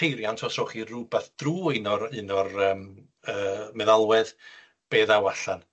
peiriant os rhowch chi rwbath drw un o'r un o'r yym yy meddalwedd be' ddaw allan?